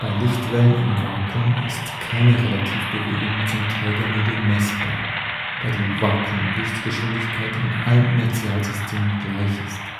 Lichtwellen im Vakuum ist keine Relativbewegung zum Trägermedium messbar, da die Vakuumlichtgeschwindigkeit in allen Inertialsystemen gleich ist